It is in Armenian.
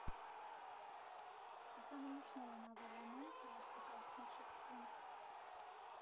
Ցուցանմուշներ են ավելանում, հայեցակարգն է շտկվում։